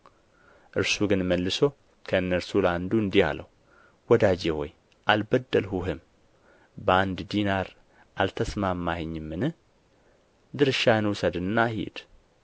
እርሱ ግን መልሶ ከእነርሱ ለአንዱ እንዲህ አለው ወዳጄ ሆይ አልበደልሁህም በአንድ ዲናር አልተስማማኸኝምን ድርሻህን ውሰድና ሂድ